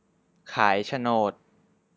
ขายโฉนด